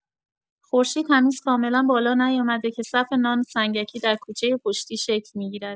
خورشید هنوز کاملا بالا نیامده که صف نان سنگکی در کوچۀ پشتی شکل می‌گیرد.